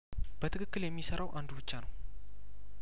በትክክል የሚሰራው አንዱ ብቻ ነው